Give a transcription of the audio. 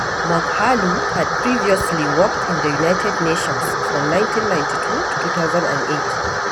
Moghalu had previously worked in the United Nations from 1992 to 2008.